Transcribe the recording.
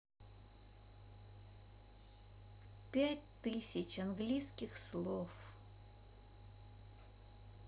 пять тысяч английских слов